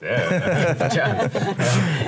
det er fortjent.